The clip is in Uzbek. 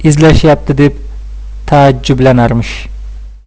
qotilni izlashyapti deb taajjublanarmish